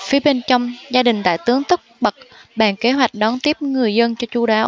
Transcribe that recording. phía bên trong gia đình đại tướng tất bật bàn kế hoạch đón tiếp người dân cho chu đáo